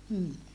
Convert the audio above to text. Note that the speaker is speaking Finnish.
mm